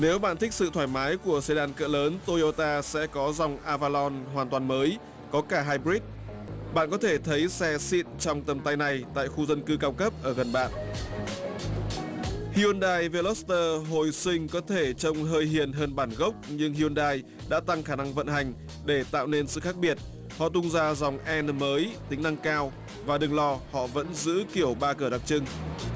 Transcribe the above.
nếu bạn thích sự thoải mái của sê đan cỡ lớn tô dô ta sẽ có dòng a va lon hoàn toàn mới có cả hai bờ rích bạn có thể thấy xe xịn trong tầm tay này tại khu dân cư cao cấp ở gần bạn hy un đai vê lót tơ hồi sinh có thể trông hơi hiền hơn bản gốc nhưng hy un đai đã tăng khả năng vận hành để tạo nên sự khác biệt họ tung ra dòng en nờ mới tính năng cao và đừng lo họ vẫn giữ kiểu ba cửa đặc trưng